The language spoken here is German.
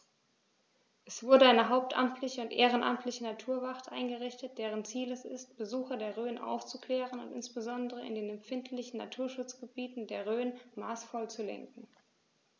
Es wurde eine hauptamtliche und ehrenamtliche Naturwacht eingerichtet, deren Ziel es ist, Besucher der Rhön aufzuklären und insbesondere in den empfindlichen Naturschutzgebieten der Rhön maßvoll zu lenken.